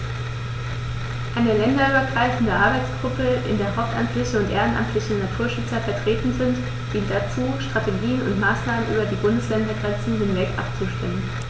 Eine länderübergreifende Arbeitsgruppe, in der hauptamtliche und ehrenamtliche Naturschützer vertreten sind, dient dazu, Strategien und Maßnahmen über die Bundesländergrenzen hinweg abzustimmen.